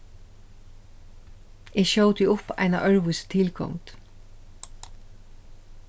eg skjóti upp eina øðrvísi tilgongd